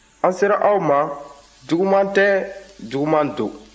an sera aw ma juguman tɛ juguman don